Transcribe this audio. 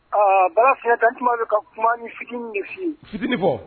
Aa bala f ka kuma bɛ ka kuma ni fi nɛgɛye sibi bɔ